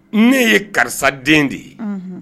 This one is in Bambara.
Ne ye karisa den de ye, unhun.